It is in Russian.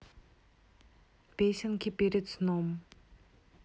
песенки перед сном